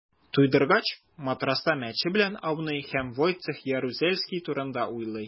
Туйдыргач, матраста мәче белән ауный һәм Войцех Ярузельский турында уйлый.